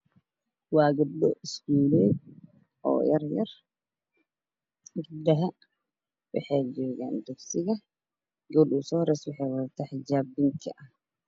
Waa gabdho iskuule oo yaryar dugsi dhexe waxay joogaan dugsiga gabadha ugu soo horeyso waxay wadataa xijaab pink ah